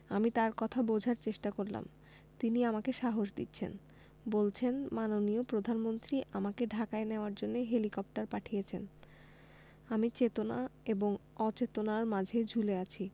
আমি তার কথা বোঝার চেষ্টা করলাম তিনি আমাকে সাহস দিচ্ছেন বলছেন মাননীয় প্রধানমন্ত্রী আমাকে ঢাকায় নেওয়ার জন্য হেলিকপ্টার পাঠিয়েছেন আমি চেতনা এবং অচেতনার মাঝে ঝুলে আছি